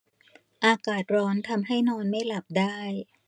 อากาศร้อนทำให้นอนไม่หลับได้